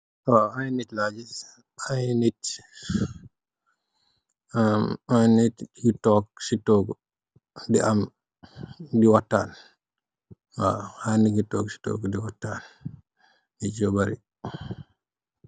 Ay nit la fi ngis, ay nit yu tóóg ci tohgu di waxtaan.